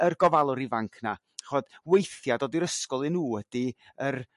Yr gofalwr ifanc 'na. Ch'od weithia' dod i'r ysgol i nhw ydy yr